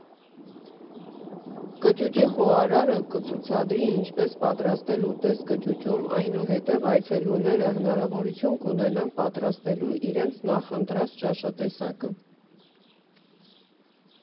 Կճուճի խոհարարը կցուցադրի ինչպես պատրաստել ուտեստ կճուճում, այնուհետև այցելուները հնարավորություն կունենան պատրաստելու իրենց նախընտրած ճաշատեսակը։